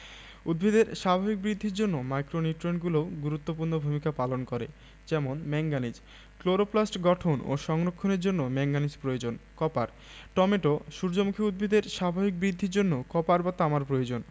উদ্ভিদের স্বাভাবিক বৃদ্ধির জন্য মাইক্রোনিউট্রিয়েন্টগুলোও গুরুত্বপূর্ণ ভূমিকা পালন করে যেমন ম্যাংগানিজ ক্লোরোপ্লাস্ট গঠন ও সংরক্ষণের জন্য ম্যাংগানিজ প্রয়োজন কপার টমেটো সূর্যমুখী উদ্ভিদের স্বাভাবিক বৃদ্ধির জন্য কপার বা তামার প্রয়োজন